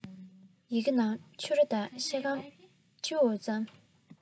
ཡི གེའི ནང ཕྱུར ར དང ཤ སྐམ འོ ཕྱེ